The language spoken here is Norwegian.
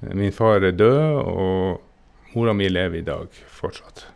min far er død, og mora mi lever i dag, fortsatt.